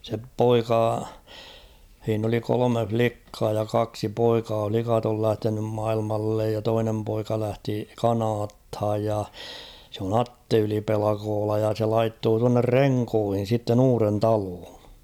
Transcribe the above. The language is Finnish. se poika siinä oli kolme likkaa ja kaksi poikaa likat oli lähtenyt maailmalle ja toinen poika lähti Kanadaan ja se on Atte Yli-Pelkola ja se laittoi tuonne Renkoon sitten uuden taloon